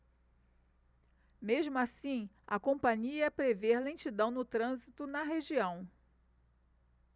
mesmo assim a companhia prevê lentidão no trânsito na região